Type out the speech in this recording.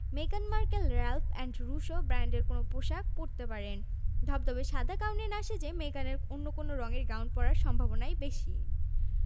Westwood company গত শতকের আশির দশক থেকে এই প্রকাশক প্রতিষ্ঠানটি রাজপরিবারের বিভিন্ন অনুষ্ঠানের আমন্ত্রণপত্র তৈরির সঙ্গে যুক্ত রাজকীয় বিয়ের নিরাপত্তা